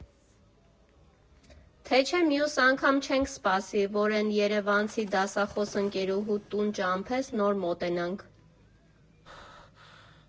Թե չէ մյուս անգամ չենք սպասի, որ էն էրևանցի դասախոս ընգերուհուդ տուն ճամփես, նոր մոտենանք։